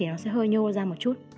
thì nó sẽ hơi nhô ra một chút